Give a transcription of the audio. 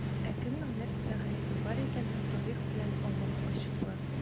Ә кемнең нәрсәдә гаебе бар икәнен тарих белән Аллаһ ачыклар.